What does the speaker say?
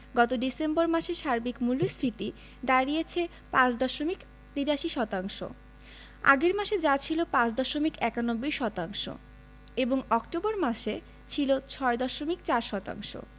গত ডিসেম্বর মাসে সার্বিক মূল্যস্ফীতি দাঁড়িয়েছে ৫ দশমিক ৮৩ শতাংশ আগের মাসে যা ছিল ৫ দশমিক ৯১ শতাংশ এবং অক্টোবর মাসে ছিল ৬ দশমিক ৪ শতাংশ